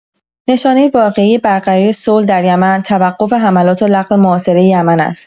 نشانه واقعی برقراری صلح در یمن توقف حملات و لغو محاصره یمن است.